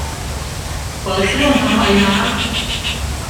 เปิดเครื่องทำไอน้ำ